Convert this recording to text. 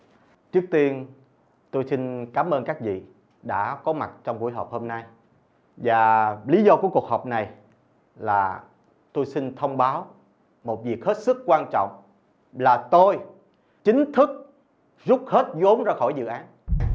trước tiên tôi xin cảm ơn các vị đã có mặt trong buổi họp hôm nay và lý do của cuộc họp này là tôi xin thông báo một việc hết sức quan trọng là tôi chính thức rút hết vốn ra khỏi dự án